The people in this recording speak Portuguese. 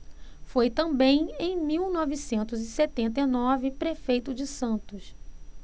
foi também em mil novecentos e setenta e nove prefeito de santos